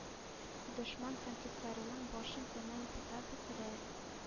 Дошман танкистларының башын тәмам бутап бетерә.